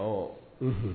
Ɔ. unhun.